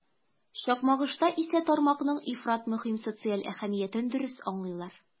Чакмагышта исә тармакның ифрат мөһим социаль әһәмиятен дөрес аңлыйлар.